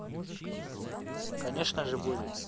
конечно же будет